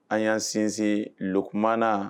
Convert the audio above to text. An y'an sinsin kumanaana